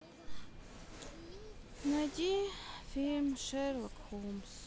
найди фильм шерлок холмс